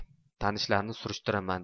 tanishlarni surishtiraman